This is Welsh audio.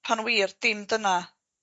Pan wir dim dyna